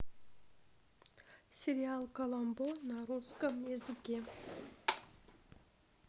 сериал коломбо на русском языке